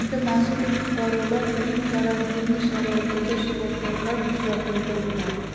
endi mazkur fuqarolar uy karantini sharoitida shifokorlar kuzatuvida bo'ladi